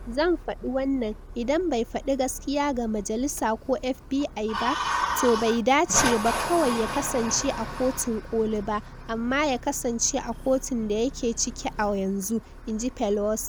"Zan faɗi wannan - idan bai fadi gaskiya ga majalisa ko FBI ba, to bai dace ba kawai ya kasance a Kotun Koli ba, amma ya kasance a kotun da yake ciki a yanzu," in ji Pelosi.